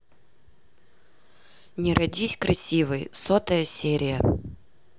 не родись красивой сотая серия